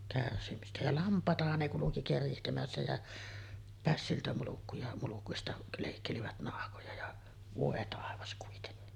kärsimistä ja lampaitahan ne kulki keritsemässä ja pässiltä mulkkuja mulkuista leikkelivät nahkoja ja voi taivas kuitenkin